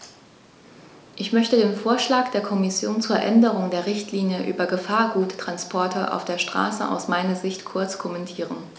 Ich möchte den Vorschlag der Kommission zur Änderung der Richtlinie über Gefahrguttransporte auf der Straße aus meiner Sicht kurz kommentieren.